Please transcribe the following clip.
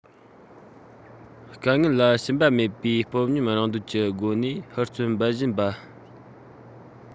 དཀའ ངལ ལ ཞུམ པ མེད པའི སྤོབས ཉམས རང འདོན གྱི སྒོ ནས ཧུར བརྩོན འབད བཞིན པ